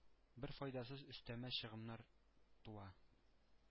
Бер файдасыз өстәмә чыгымнар туа,